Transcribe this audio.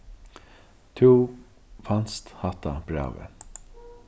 tú fanst hatta brævið